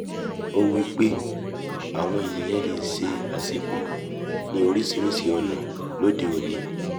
ó wípé ''Àwọn eniyan lesee àṣepọ̀ ní oríṣiríṣi ọ̀nà'', lóde òní.